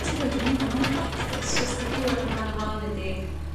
ti rioed 'di neud e mewn practis jyst 'di clŵad amdano fo ne 'di